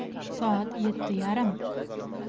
soat yetti yarim